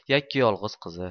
yakka yolg'iz qizi